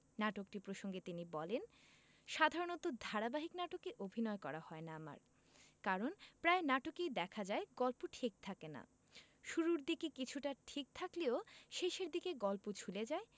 নাটকটি প্রসঙ্গে তিনি বলেন সাধারণত ধারাবাহিক নাটকে অভিনয় করা হয় না আমার কারণ প্রায় নাটকেই দেখা যায় গল্প ঠিক থাকে না শুরুর দিকে কিছুটা ঠিক থাকলেও শেষের দিকে গল্প ঝুলে যায়